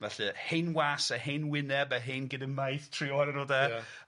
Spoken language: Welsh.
felly Hen Was a Hen Wyneb a Hen Gydymaith tri ohonyn nw de? .Ia.